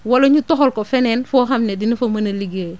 wala ñu toxal ko feneen foo xam ne dina fa mën a liggéeyee